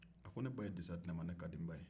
ne ba ye disa di ne ma ne ka di n ba ye